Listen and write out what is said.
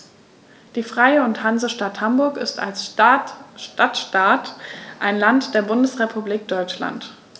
Die Freie und Hansestadt Hamburg ist als Stadtstaat ein Land der Bundesrepublik Deutschland.